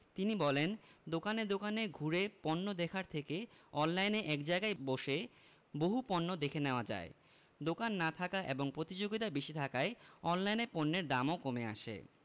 তিনি বলেন দোকানে দোকানে ঘুরে পণ্য দেখার থেকে অনলাইনে এক জায়গায় বসে বহু পণ্য দেখে নেওয়া যায় দোকান না থাকা এবং প্রতিযোগিতা বেশি থাকায় অনলাইনে পণ্যের দামও কমে আসে